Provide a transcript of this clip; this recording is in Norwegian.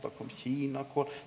det kom kinakål.